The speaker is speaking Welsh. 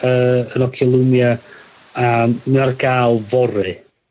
yy Nokia Lumia a ma' ar ga'l fory...